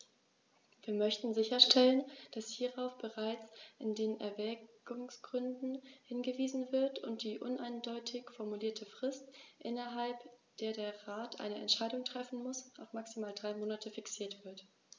Wir möchten sicherstellen, dass hierauf bereits in den Erwägungsgründen hingewiesen wird und die uneindeutig formulierte Frist, innerhalb der der Rat eine Entscheidung treffen muss, auf maximal drei Monate fixiert wird.